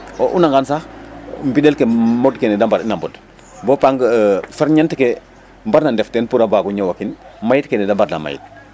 o unangan sax mbiɗel ke fodkee neta mbar'ina mboɗ bo pare ferñeti ke mbarna o ndefna ten pour mbag o ñowatin mayitkee ne ta mbarna mayit